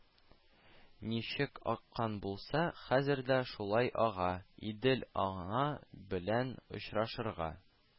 Ничек аккан булса, хәзер дә шулай ага, идел-ана белән очрашырга